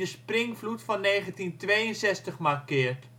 springvloed van 1962 markeert